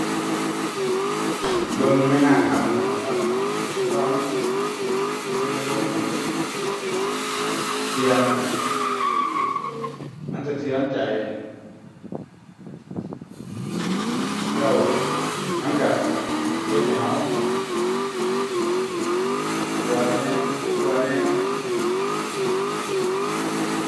เบิ่งแม่นากพระโขนงแหล้วครับ เพราะว่ามันเบิ่งในโรงน่ะมัน มันสยองกว่าติ เสียงเนี่ยมันสะเทือนใจ ส่ำนั้นล่ะ แล้วมันก็เฮ็ดให้ก็กลัวแหน่ บ่กลัวแหน่ครับ